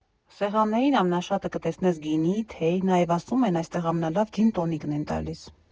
Սեղաններին ամենաշատը կտեսնես գինի, թեյ, նաև ասում են այստեղ ամենալավ ջին֊տոնիկն են տալիս։